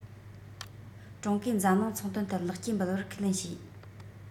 ཀྲུང གོས འཛམ གླིང ཚོང དོན ཐད ལེགས སྐྱེས འབུལ བར ཁས ལེན བྱོས